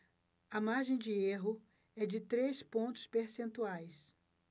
a margem de erro é de três pontos percentuais